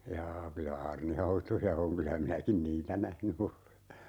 jaa kyllä aarnihautoja on kyllä minäkin niitä nähnyt olen